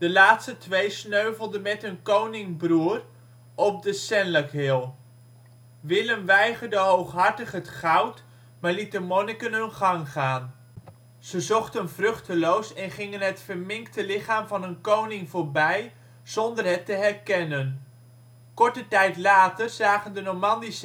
laatste twee sneuvelden met hun koning-broer op de Senlac Hill. Willem weigerde hooghartig het goud maar liet de monniken hun gang gaan. Ze zochten vruchteloos, en gingen het verminkte lichaam van hun koning voorbij zonder het te herkennen. Korte tijd later zagen de Normandische